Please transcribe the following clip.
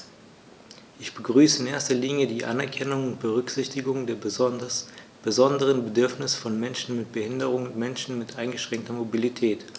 Ich begrüße in erster Linie die Anerkennung und Berücksichtigung der besonderen Bedürfnisse von Menschen mit Behinderung und Menschen mit eingeschränkter Mobilität.